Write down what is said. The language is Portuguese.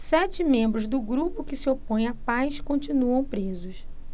sete membros do grupo que se opõe à paz continuam presos